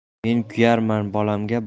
men kuyarman bolamga